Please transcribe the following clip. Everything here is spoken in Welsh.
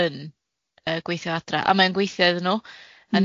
yn yy gweithio adra, a ma'n gweithio iddyn nw... M-hm...